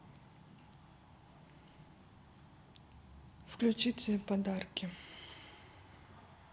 включите подарки